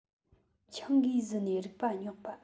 ཆང གིས བཟི ནས རིག པ ཉོག པ